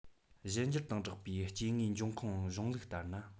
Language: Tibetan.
གཞན འགྱུར དང སྦྲགས པའི སྐྱེ དངོས འབྱུང ཁུངས གཞུང ལུགས ལྟར ན